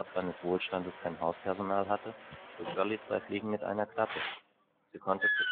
seines Wohlstandes kein Hauspersonal hatte, schlug Dolly zwei Fliegen mit einer Klappe: Sie konnte - zu